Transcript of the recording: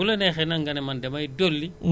boo boo boogee boo góobee ba pare